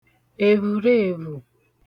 èvhùrèvhù